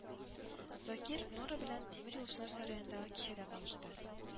Закир Нора белән тимер юлчылар сараендагы кичәдә танышты